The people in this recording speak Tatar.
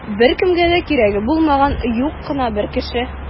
Беркемгә дә кирәге булмаган юк кына бер кеше.